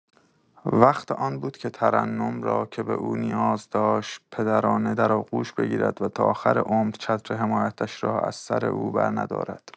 وقت آن بود که ترنم را که به او نیاز داشت، پدرانه در آغوش بگیرد و تا آخر عمر چتر حمایتش را از سر او برندارد.